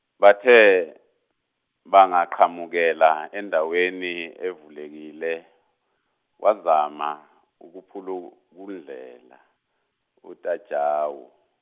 bathe, bangaqhamukela endaweni evulekile, wazama ukuphulukundlela uTajewo.